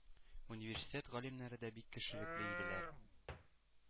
Университет галимнәре дә бик кешелекле иделәр.